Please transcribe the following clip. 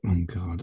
My, God.